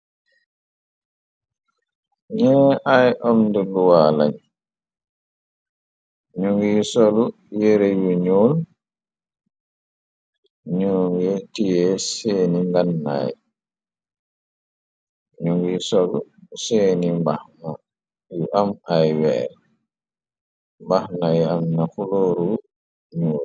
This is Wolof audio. Nee ay am ndëluwaa lañ ño ngiy solu yere yu ñoon ño nge tiyee seeni mgannaay ñu ngiy solu seeni mbaxma yu am ay weer mbax nay am na xulóoru ñyuul.